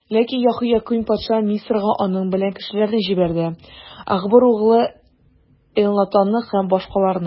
Ләкин Яһоякыйм патша Мисырга аның белән кешеләрне җибәрде: Ахбор углы Элнатанны һәм башкаларны.